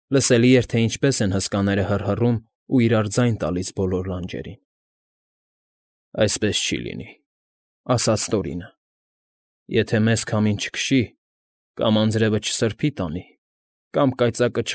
Լսելի էր, թե ինչպես են հսկաները հռհռում ու իրար ձայն տալիս բոլոր լանջերին։ ֊ Այսպես չի լինի,֊ ասաց Տորինը։֊ Եթե մեզ քամին չքշի, կամ անձրևը չսրբի տանի, կամ կայծակը։